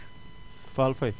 Fall Faye